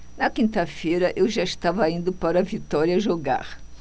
na quinta-feira eu já estava indo para vitória jogar